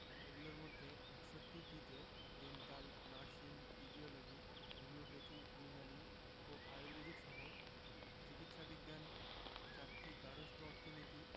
এগুলোর মধ্যে ৬১টিতে dental nursing physiology homeopathy Unani ও আর্য়ুবেদিকসহ চিকিৎসা বিজ্ঞান ৪টি গার্হস্থ্য অর্থনীতি